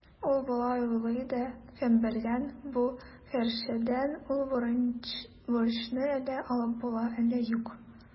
Ул болай уйлый иде: «Кем белгән, бу хәерчедән ул бурычны әллә алып була, әллә юк".